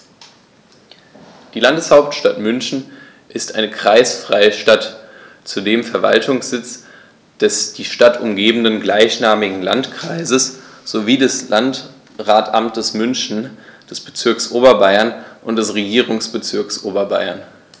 Die Landeshauptstadt München ist eine kreisfreie Stadt, zudem Verwaltungssitz des die Stadt umgebenden gleichnamigen Landkreises sowie des Landratsamtes München, des Bezirks Oberbayern und des Regierungsbezirks Oberbayern.